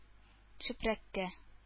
Чүпрәккә